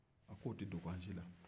o k'o tɛ dogo an si la